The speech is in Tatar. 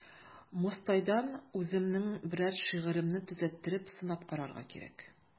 Мостайдан үземнең берәр шигыремне төзәттереп сынап карарга кирәк.